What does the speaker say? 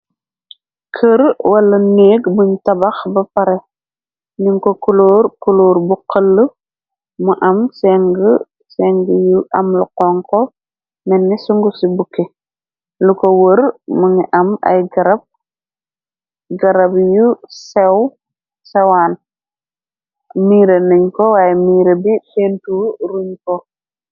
Kër wala neeg buñu tabax ba pare niñko kuloor kuloor bu xël mu am seng yu amlu xonko nenni su ngu ci bukke lu ko wër mu ngi am ay garab yu sew sewaan miira nañ ko waaye miira bi fentu ruñ ko.